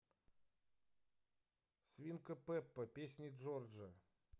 свинка пеппа песни джорджа